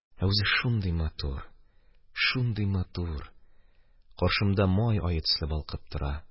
Ә үзе шундый матур, шундый матур – каршымда май ае төсле балкып тора.